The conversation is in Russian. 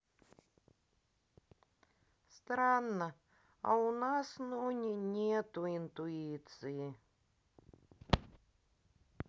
странно а у нас ноне нету интуиции